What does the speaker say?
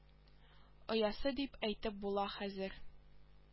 Оясы дип әйтеп була хәзер